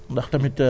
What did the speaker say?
ñun dañ lay fay